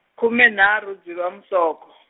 khume nharhu Dzivamusoko.